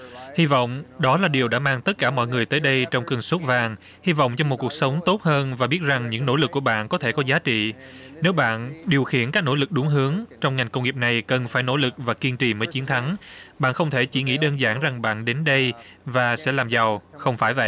hy vọng đó là điều đã mang tất cả mọi người tới đây trong cơn sốt vàng hy vọng cho một cuộc sống tốt hơn và biết rằng những nỗ lực của bạn có thể có giá trị nếu bạn điều khiển các nỗ lực đúng hướng trong ngành công nghiệp này cần phải nỗ lực và kiên trì với chiến thắng bạn không thể chỉ nghĩ đơn giản rằng bạn đến đây và sẽ làm giàu không phải vậy